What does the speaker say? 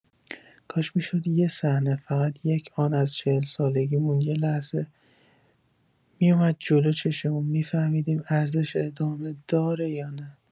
کاش می‌شد یک صحنه، فقط یک آن از چهل سالگیمون یه لحظه میومد جلو چشممون، می‌فهمیدیم ارزش ادامه داره یا نه